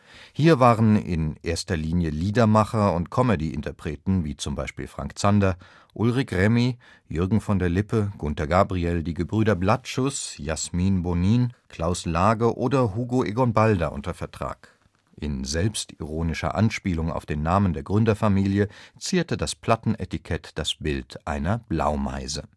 Hier waren in erster Linie Liedermacher und Comedy-Interpreten wie z. B. Frank Zander, Ulrik Remy, Jürgen von der Lippe, Gunter Gabriel, die Gebrüder Blattschuß, Jasmin Bonnin, Klaus Lage oder Hugo Egon Balder unter Vertrag. In selbstironischer Anspielung auf den Namen der Gründerfamilie zierte das Plattenetikett das Bild einer Blaumeise